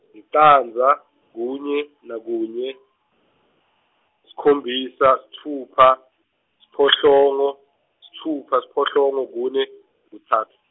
licandza, kunye, nakunye, sikhombisa, sitfupha, siphohlongo, sitfupha, siphohlongo, kune, kutsatfu.